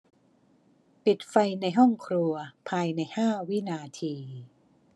ปิดไฟในห้องครัวภายในห้าวินาที